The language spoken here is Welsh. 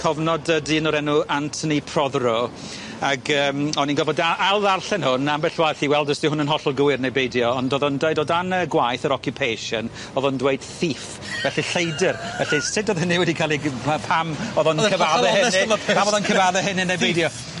Cofnod yy dyn o'r enw Anthony Prothero ag yym o'n i'n gofod a- ail ddarllen hwn ambell waith i weld os dyw hwn yn hollol gywir neu beidio ond o'dd o'n deud o dan yy gwaith yr occupation, o'dd o'n dweud thief, felly lleidyr, felly sut o'dd hynny wedi ca'l ei gy- we- pam o'dd o'n cyfadde hynny? O'dd e'n hollol onest am y peth. Pam o'dd o'n cyfadde hynny ne' beidio?